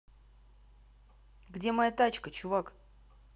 где моя тачка чувак